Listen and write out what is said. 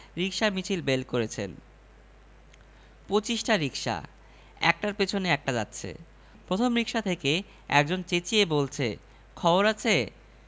রিকশা মিছিল বের করেছেন পঁচিশটা রিকশা একটার পেছনে একটা যাচ্ছে প্রথম রিকশা থেকে একজন চেঁচিয়ে বলছে খবর আছে